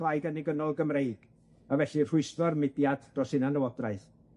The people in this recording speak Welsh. Gymreig, a felly rhwystro'r mudiad dros hunanlywodraeth.